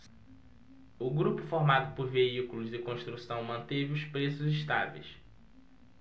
o grupo formado por veículos e construção manteve os preços estáveis